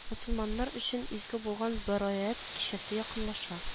Мөселманнар өчен изге булган бәраәт кичәсе якынлаша